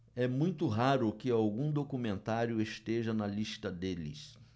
é muito raro que algum documentário esteja na lista deles